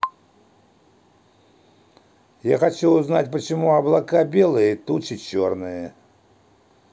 я хочу узнать почему облака белые тучи черные